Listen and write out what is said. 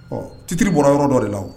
Ɔ titiriri bɔra yɔrɔ dɔ de la